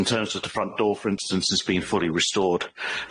in terms of the front door for instance has been fully restored